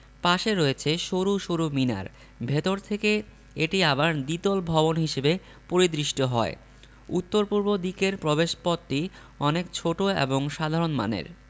পাশে রয়েছে সরু সরু মিনার ভেতর থেকে এটি আবার দ্বিতল ভবন হিসেবে পরিদৃষ্ট হয় উত্তর পূর্ব দিকের প্রবেশপথটি অনেক ছোট এবং সাধারণ মানের